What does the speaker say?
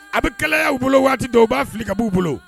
A bɛ kalaya u bolo waati dɔw u b'a fili ka b'u bolo